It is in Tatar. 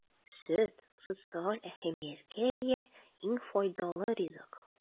Сөт - социаль әһәмияткә ия иң файдалы ризык.